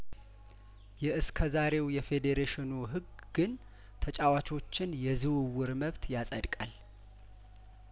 የእስከዛሬው የፌዴሬሽኑ ህግ ግን ተጫዋቾችን የዝውውር መብት ያጸድ ቃል